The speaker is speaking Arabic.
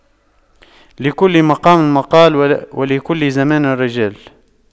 لكل مقام مقال ولكل زمان رجال